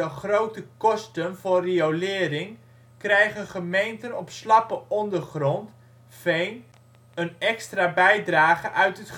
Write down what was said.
grote kosten voor riolering krijgen gemeenten op slappe ondergrond (veen) een extra bijdrage uit het Gemeentefonds